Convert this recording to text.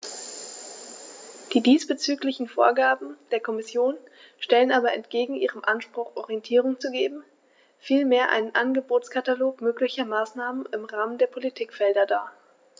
Die diesbezüglichen Vorgaben der Kommission stellen aber entgegen ihrem Anspruch, Orientierung zu geben, vielmehr einen Angebotskatalog möglicher Maßnahmen im Rahmen der Politikfelder dar.